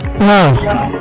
waw